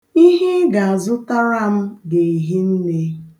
Ihe ị ga-azụtara m ga-ehi nne.